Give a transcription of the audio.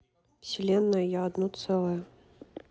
вселенная я одно целое